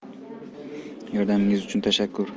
yordamingiz uchun tashakkur